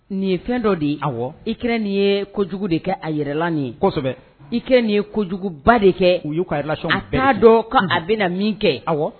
Nin ye fɛn dɔ de ye, awɔ, Ukraine ye jugu de kɛ a yɛrɛla i ye ,kosɛbɛ, Ukraine ye kojuguba de kɛ u ka relation bɛɛ tiɲɛ, a t’a dɔn k’a bɛna min kɛ, awɔ.